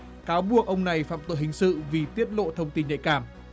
cáo buộc ông này phạm tội hình sự vì tiết lộ thông tin nhạy cảm